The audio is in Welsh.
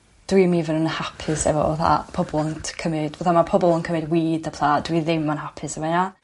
Dwim even yn hapus efo fatha pobol yn t- cymyd fatha ma' pobol yn cymyd weed a petha dwi ddim yn hapus efo 'na.